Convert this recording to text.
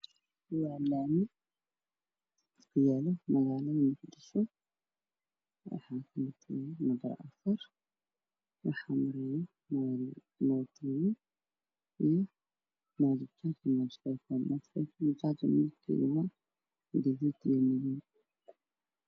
Waa laami kuyaalo magaalada Muqdisho waana lambar afar waxaa maraayo mootooyin ah mooto bajaaj iyo mooto faykoon. Mooto bajaajku waa gaduud iyo madow.